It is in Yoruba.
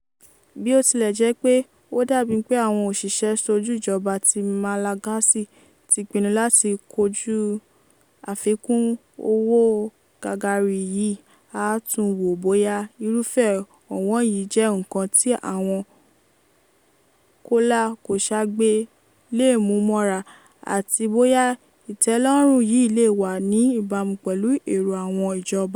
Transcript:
Bí ó tilẹ̀ jẹ́ pé ó dàbí pé àwọn òṣìṣẹ́-ṣojú ìjọba ti Malagasy ti pinnu láti kojú afikún owó gagara yìí, aá tún wóó bóyá irúfẹ́ ọ̀wọ́n yìí jẹ́ nǹkan tí àwọn kòlà-kòṣagbe lè mú mọ́ra àti bóyá ìtẹ́lọ́rùn yìí lè wà ní ìbámú pẹ̀lú èrò àwọn ìjọba.